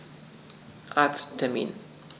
Arzttermin